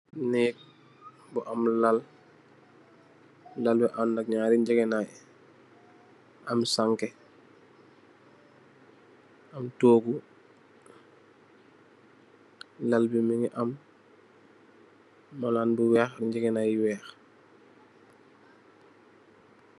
Nèk bu am lal , lal bu ànda ak ñaari ngegenai am sanke am tóógu, lal bi mugi am malan bu wèèx ngegenai yu wèèx.